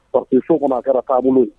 Pa que so kɔnɔ a kɛra